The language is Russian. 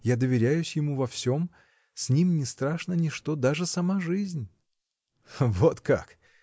Я доверяюсь ему во всем, с ним не страшно ничто, даже сама жизнь! — Вот как!